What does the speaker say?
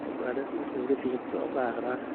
Og så er det utrolig fint å være der.